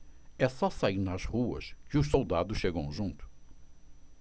é só sair nas ruas que os soldados chegam junto